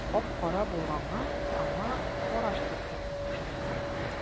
Кап-кара булганга аңа карач дип исем куштылар.